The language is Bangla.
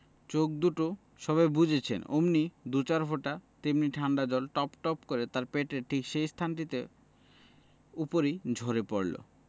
চোখ দুটো সবে বুজেছেন অমনি দু চার ফোঁটা তেমনি ঠাণ্ডা জল টপটপ কর পেটের ঠিক সেই স্থানটিতে উপরেই ঝরে পড়ল